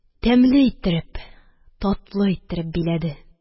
Тәмле иттереп, татлы иттереп биләде.